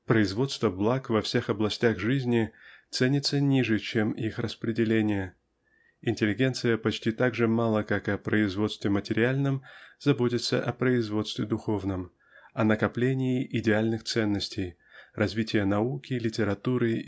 Производство благ во всех областях жизни ценится ниже чем их распределение интеллигенция почти так же мало как о производстве материальном заботится о производстве духовном о накоплении идеальных ценностей развитие науки литературы